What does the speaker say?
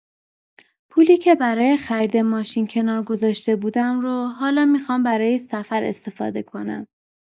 پولی که برای خرید ماشین کنار گذاشته بودم رو حالا می‌خوام برای سفر استفاده کنم.